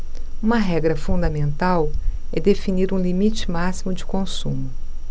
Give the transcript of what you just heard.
uma regra fundamental é definir um limite máximo de consumo